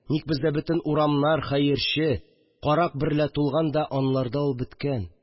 Ник бездә бөтен урамнар хәерче, карак берлә тулган да, аларда ул беткән